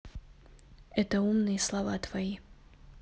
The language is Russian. это умные слова твои